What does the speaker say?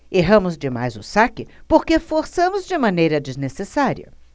erramos demais o saque porque forçamos de maneira desnecessária